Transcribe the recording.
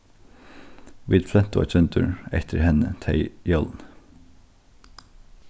vit flentu eitt sindur eftir henni tey jólini